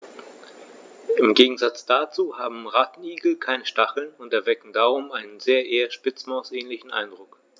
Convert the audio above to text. Im Gegensatz dazu haben Rattenigel keine Stacheln und erwecken darum einen eher Spitzmaus-ähnlichen Eindruck.